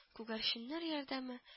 Күгәрченнәр ярдәме